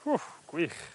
Gwych